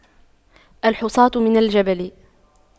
الحصاة من الجبل